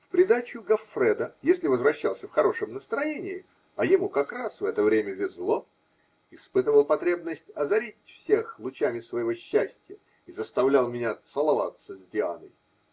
В придачу, Гоффредо, если возвращался в хорошем настроении, -- а ему как раз в это время везло, -- испытывал потребность озарить всех лучами своего счастья и заставлял меня целоваться с Дианой